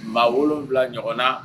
Maa wolonwula ɲɔgɔn na